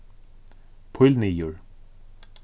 píl niður